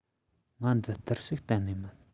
ངའི འདི ལྟར ཞིག གཏན ནས མིན